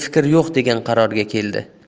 fikr yo'q degan qarorga kelibdi